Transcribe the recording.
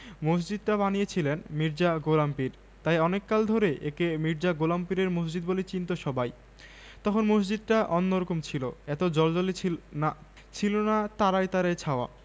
দায়িত্ব ও কর্তব্য পালন করতে চাই সেজন্য সংশ্লিষ্ট সকল মহলের শুভেচ্ছা ও সহযোগিতা কামনা করি ধন্যবাদ সকলকে ধন্যবাদ সেরাজুল হক সাধারণ সম্পাদক